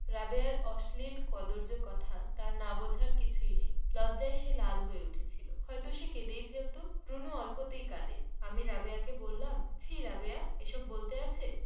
রুনু বারো পেরিয়ে তেরোতে পড়েছে রাবেয়ার অশ্লীল কদৰ্য কথা তার না বুঝার কিছুই নেই লজ্জায় সে লাল হয়ে উঠেছিলো হয়তো সে কেঁদেই ফেলতো রুনু অল্পতেই কাঁদে আমি রাবেয়াকে বললাম ছিঃ রাবেয়া এসব বলতে আছে